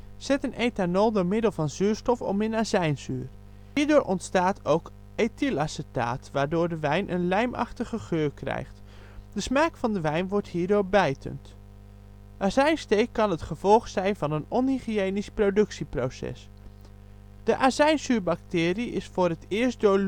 ethanol d.m.v. zuurstof om in azijnzuur. Hierdoor ontstaat ook ethylacetaat, waardoor de wijn een lijmachtige geur krijgt. De smaak van de wijn wordt hierdoor bijtend. Azijnsteek kan het gevolg zijn van een onhygiënisch productieproces. De azijnzuurbacterie is voor het eerst door